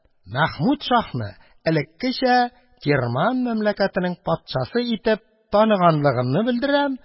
Мәхмүд шаһны элеккечә Кирман мәмләкәтенең патшасы итеп таныганлыгымны белдерәм